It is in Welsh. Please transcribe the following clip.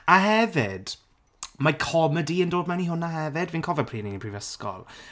A hefyd mae comedi yn dod mewn i hwnna hefyd. Fi'n cofio pryd ni yn prifysgol.